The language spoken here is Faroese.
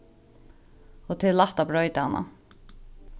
og tað er lætt at broyta hana